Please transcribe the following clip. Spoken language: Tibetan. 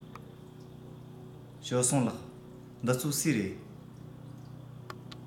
ཞའོ སུང ལགས འདི ཚོ སུའི རེད